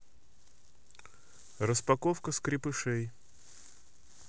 распаковка скрепышей